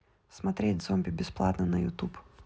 смотреть зомби бесплатно на ютуб